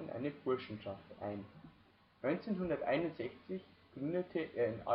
eine Burschenschaft ein. 1961 gründete er